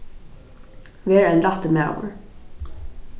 ver ein rættur maður